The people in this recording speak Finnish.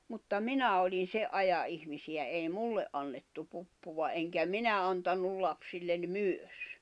mutta minä olin sen ajan ihmisiä ei minulle annettu puppua enkä minä antanut lapsille myös